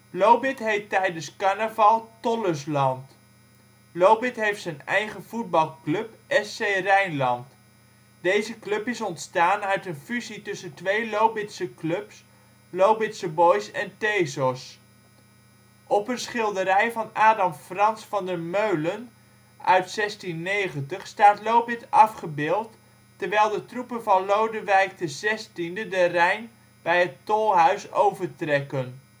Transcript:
Lobith heet tijdens carnaval Tollusland. Lobith heeft z 'n eigen voetbalclub: SC Rijnland. Deze club is ontstaan uit een fusie tussen twee Lobithse clubs (Lobithse Boys en Thesos) Op een schilderij van Adam Frans van der Meulen uit 1690 staat Lobith afgebeeld, terwijl de troepen van Lodewijk XIV de Rijn bij het Tolhuis overtrekken